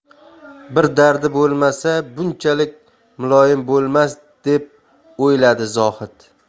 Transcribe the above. bir dardi bo'lmasa bunchalik muloyim bo'lmas deb o'yladi zohid